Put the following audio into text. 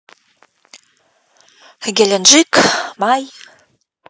геленджик май